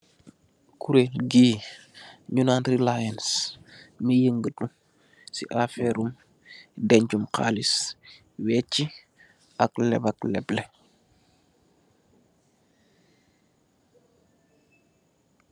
Kurel gii, ñunaan rilaayans, miy yëngatu si àferum deñyum xaalis, wéxi ak lebak leble.